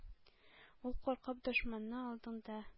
Ул, куркып дошманы алдында